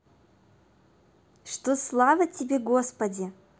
что слава тебе господи